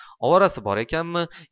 ovorasi bor ekanmi